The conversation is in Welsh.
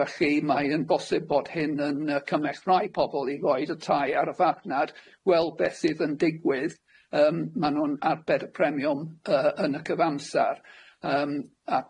felly mae yn bosib bod hyn yn yy cymell rai pobol i roid y tai ar y fachnad gweld beth sydd yn digwydd yym ma' nw'n arbed y premiwm yy yn y cyfamsar yym,